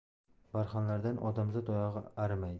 barxanlardan odamzod oyog'i arimaydi